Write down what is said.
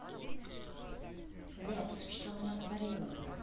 лепс что ты натворила